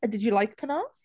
And did you like Penarth?